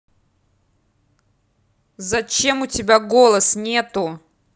зачем у тебя голос нету